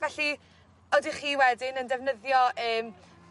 Felly odych chi wedyn yn ddefnyddio yym